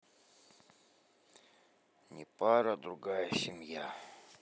непара другая семья